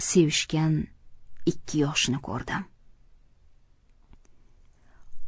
sevishgan ikki yoshni ko'rdim